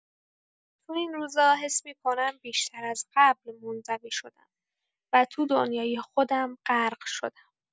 تو این روزا حس می‌کنم بیشتر از قبل منزوی شدم و تو دنیای خودم غرق شدم.